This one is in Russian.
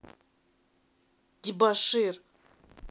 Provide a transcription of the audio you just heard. дебошир